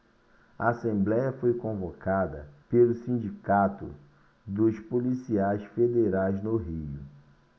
a assembléia foi convocada pelo sindicato dos policiais federais no rio